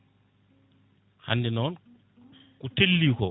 hande noon ko telli ko